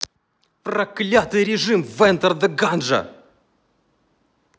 проклятый режим в enter the ganja